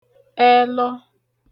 ẹlọ